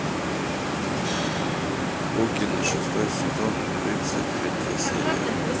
букины шестой сезон тридцать третья серия